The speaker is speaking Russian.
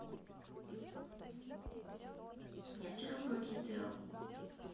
я вчера уроки сделал